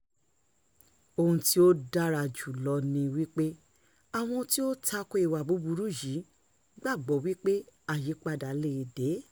Ohun tí ó dára jù lọ ni wípé àwọn tí ó ń tako ìwà burúkú yìí gbàgbọ́ wípé àyípadà lè dé.